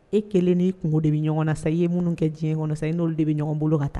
E kelen ni kun de bɛ ɲɔgɔn na sa i ye minnu kɛ diɲɛ kɔnɔ sa n olu de bɛ ɲɔgɔn bolo ka taa